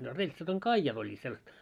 no reltsat on kaijat olleet sellaista